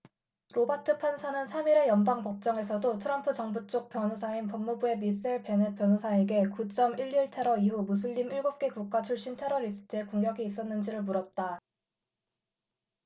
로바트 판사는 삼 일의 연방법정에서도 트럼프 정부쪽 변호사인 법무부의 미셀 베넷 변호사에게 구 쩜 일 일 테러 이후 무슬림 일곱 개국가 출신 테러리스트의 공격이 있었는지를 물었다